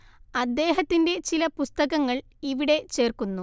അദ്ദേഹത്തിന്റെ ചില പുസ്തകങ്ങൾ ഇവിടെ ചേർക്കുന്നു